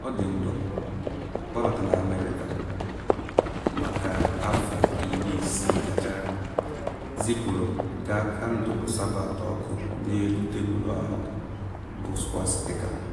Ọ dị ndụ, gbabata na America ma, ka afọ 60 gachara, zipuru m gaa kandụl Sabbath ọkụ n’elu tebul ahụ bụ swastika.